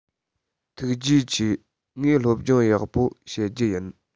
ཐུགས རྗེ ཆེ ངས སློབ སྦྱོང ཡག པོ བྱེད རྒྱུ ཡིན